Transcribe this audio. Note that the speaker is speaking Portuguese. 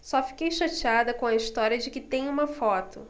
só fiquei chateada com a história de que tem uma foto